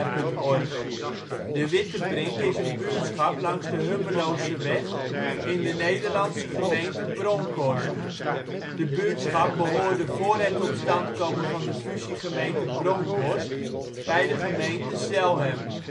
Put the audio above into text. OL Wittebrink Plaats in Nederland Situering Provincie Gelderland Gemeente Bronckhorst Coördinaten 52° 3′ NB, 6° 17′ OL Portaal Nederland De Wittebrink is een buurtschap langs de Hummeloseweg (Provinciale weg 330) in de Nederlandse gemeente Bronckhorst. De buurtschap behoorde voor het tot stand komen van de fusiegemeente Bronckhorst bij de gemeente Zelhem